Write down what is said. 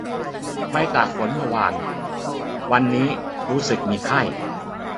ไปตากฝนเมื่อวานวันนี้รู้สึกมีไข้